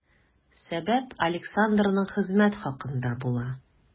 Сәбәп Александрның хезмәт хакында була.